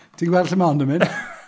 Ti'n gweld lle mae hon yn mynd?